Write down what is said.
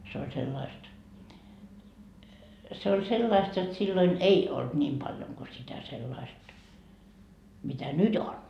se oli sellaista se oli sellaista jotta silloin ei ollut niin paljon kuin sitä sellaista mitä nyt on